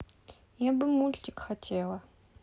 я бы мультик хотела